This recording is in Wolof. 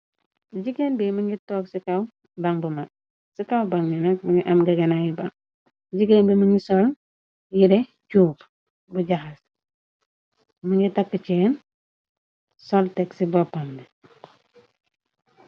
Jigéen bi mi ngi tog ci cawbanguma ci kaw bang yu nag mungi am gegenay ba jigéen bi mi ngi sol yire cuub lu jaxas mi ngi tàkkceen sol teg ci boppam bi.